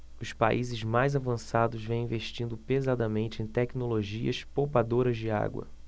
os países mais avançados vêm investindo pesadamente em tecnologias poupadoras de água